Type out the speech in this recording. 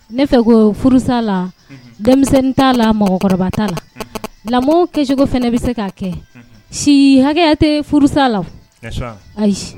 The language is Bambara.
Ne fɛ ko furusala denmisɛin t'a la mɔgɔkɔrɔba t'a la. lamɔ kɛcogo fana bɛ se k'a kɛ, si hakɛ ya tɛ furusa la .Ayi sa, ayi.